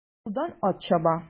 Юлдан ат чаба.